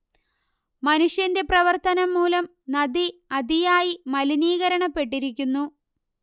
മനുഷ്യന്റെ പ്രവർത്തനം മൂലം നദി അതിയായി മലിനികരണപ്പെട്ടിരിക്കുന്നു